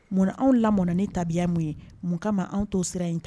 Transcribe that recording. Munna anw lamɔnna ni tabiya min ye mun kama anw to sira in ta